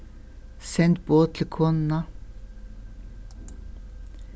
send boð til konuna